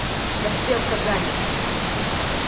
расстрел в казани